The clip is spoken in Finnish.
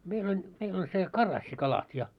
meillä oli meillä oli se karassikalat ja